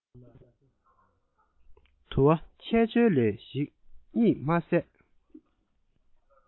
དུ བ ཆལ ཆོལ ལེ ཞིག གཉིད མ སད